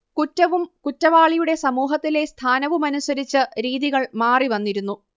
കുറ്റവും കുറ്റവാളിയുടെ സമൂഹത്തിലെ സ്ഥാനവുമനുസരിച്ച് രീതികൾ മാറിവന്നിരുന്നു